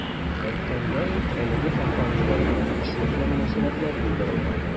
Әйткәндәй, әлеге компанияләр белән эшлекле мөнәсәбәтләр булдырылган.